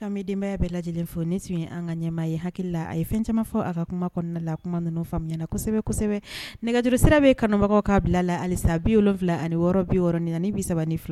Kamidenbaya bɛɛ lajɛ lajɛlen fo ni tun ye an ka ɲɛmaa ye ha la a ye fɛn camanma fɔ a ka kuma kɔnɔna la kuma ninnu faamu na kosɛbɛ kosɛbɛ nɛgɛjuru sira bɛ kanubagaw kaa bila la halisa bi wolo wolonwula ani wɔɔrɔ bi6 ni ni bi3 saba ni filɛ